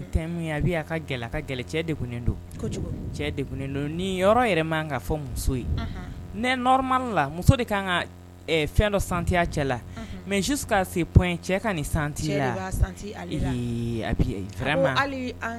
A ka ka de don cɛ de don ni yɔrɔ yɛrɛ ma ka fɔ muso ye neɔrɔma la muso de kan ka fɛn dɔ santiya cɛ la mɛ su ka se p cɛ ka nin santiyati ma